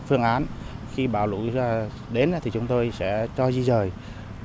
phương án khi bão lũ rờ đến thì chúng tôi sẽ cho di dời